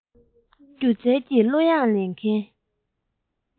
སྒྱུ རྩལ གྱི གླུ དབྱངས ལེན མཁན